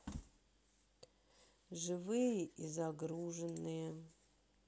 живые и загруженные